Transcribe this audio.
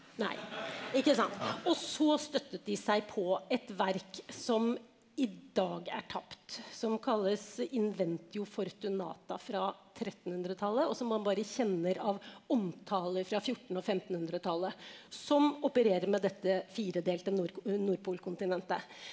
nei ikke sant også støttet de seg på et verk som i dag er tapt som kalles Ineventio fortunata fra trettenhundretallet og som man bare kjenner av omtale i fra fjorten- og fremtenhundretallet som operer med dette firedelte Nordpolkontinentet.